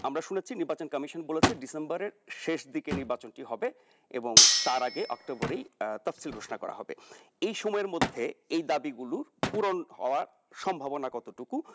আমরা শুনেছি নির্বাচন কমিশন বলেছে ডিসেম্বরের শেষদিকে নির্বাচনটি হবে এবং তার আগে অক্টোবর এই তাফসীর ঘোষণা করা হবে এই সময়ের মধ্যে এই দাবিগুলো পূরণ হওয়ার সম্ভাবনা কতটুকু